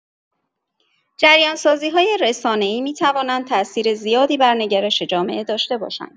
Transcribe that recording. جریان‌سازی‌های رسانه‌ای می‌توانند تاثیر زیادی بر نگرش جامعه داشته باشند.